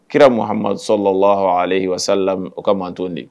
Kira muhamadu sɔrɔlalahah o ka mant de